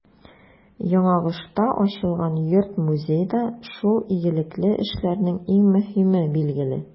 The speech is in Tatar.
Яңагошта ачылган йорт-музей да шул игелекле эшләрнең иң мөһиме, билгеле.